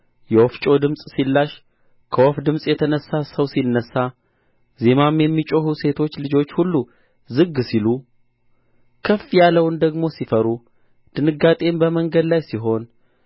የወፍጮ ድምፅ ሲላሽ ከወፍ ድምፅ የተነሣ ሰው ሲነሣ ዜማም የሚጮኹ ሴቶች ልጆች ሁሉ ዝግ ሲሉ ከፍ ያለውን ደግሞ ሲፈሩ ድንጋጤም በመንገድ ላይ ሲሆን